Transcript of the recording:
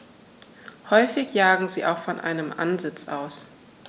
Häufig jagen sie auch von einem Ansitz aus.